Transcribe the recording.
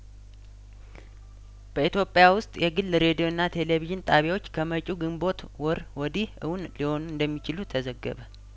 በኢትዮጵያ ውስጥ የግል ሬድዮና ቴሌቪዥን ጣቢያዎች ከመጪው ግንቦት ወር ወዲህ እውን ሊሆኑ እንደሚችሉ ተዘገበ